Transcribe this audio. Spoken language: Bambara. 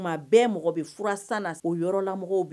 Tuma bɛ mɔgɔ bɛ fura san na o yɔrɔla mɔgɔ bɛ furasansɛbɛn